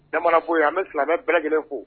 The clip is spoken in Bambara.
Da foyi a an bɛ silamɛbɛ bɛɛ gɛlɛn fo